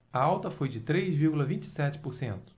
a alta foi de três vírgula vinte e sete por cento